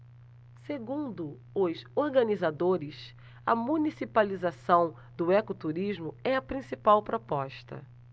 segundo os organizadores a municipalização do ecoturismo é a principal proposta